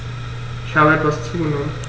Ich habe etwas zugenommen